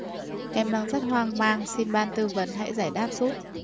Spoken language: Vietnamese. em đang rất hoang mang xin ban tư vấn hãy giải đáp giúp